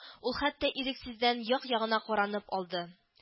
Ул хәтта ирексездән як-ягына каранып алды;